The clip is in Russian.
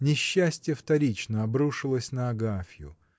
Несчастье вторично обрушилось на Агафью.